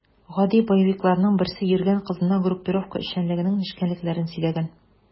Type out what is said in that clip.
Гади боевикларның берсе йөргән кызына группировка эшчәнлегенең нечкәлекләрен сөйләгән.